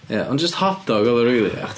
Ia, ond jyst hot dog oedd o rili, ia?